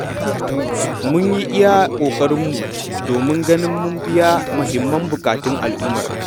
Mun yi iya ƙoƙarinmu domin ganin mun biya muhimman buƙatun al'ummar.